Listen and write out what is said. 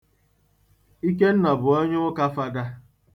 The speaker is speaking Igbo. Ikenna bụ onye Ụka Fada.